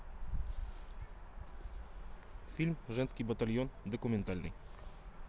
фильм женский батальон документальный